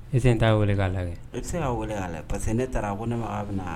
Ne se t' wele k'a la kɛ e bɛ se y'a wele k'a la parceseke ne taara ko ne ma bɛ